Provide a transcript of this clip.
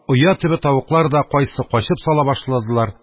Оя төбе тавыклар да кайсы качып сала башладылар,